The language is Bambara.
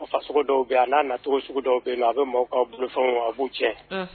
A faso dɔw bɛ a n'a nacogo sugu dɔw bɛ a bɛ maaw ka bolofɛnw a b'u cɛ